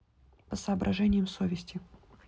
по соображениям совести